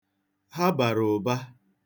Ha bara ụba.